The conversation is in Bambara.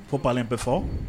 Ko paul bɛ fɔ